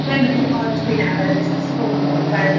Mae'n rili od gweud 'na fel y busnes FOMO, fel.